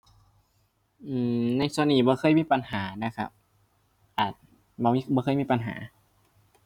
อือ ในส่วนนี้บ่เคยมีปัญหานะครับ อ่า บ่มีบ่เคยมีปัญหา